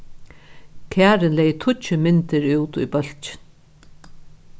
karin legði tíggju myndir út í bólkin